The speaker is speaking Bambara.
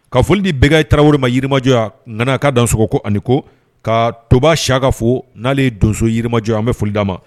Ka folidi bɛɛ i tarawelew ma yirimajɔ a nana a ka dansoko ani ko ka toba si ka fɔ n'ale donso yirimajɔ an bɛ foli d' ma